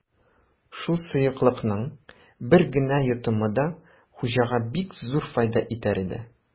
Шул сыеклыкның бер генә йотымы да хуҗага бик зур файда итәр иде.